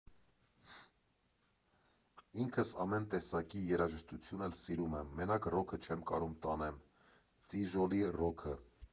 Ինքս ամեն տեսակի երաժշտություն էլ սիրում եմ, մենակ ռոքը չեմ կարում տանեմ, ծիժոլի ռոքը։